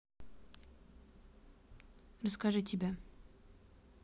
расскажи тебя